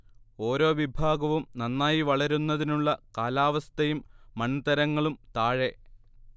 ഓരോ വിഭാഗവും നന്നായി വളരുന്നതിനുള്ള കാലാവസ്ഥയും മൺതരങ്ങളും താഴെ